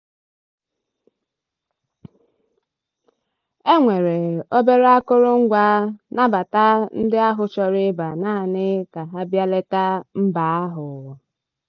E nwere obere akụrụngwa nabata ndị ahụ chọrọ ịbịa naanị ka ha bịa leta mba ahụ.